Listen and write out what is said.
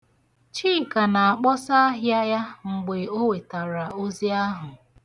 Chika na-akpọsa ahịa ya mgbe o wetara ozi ahụ.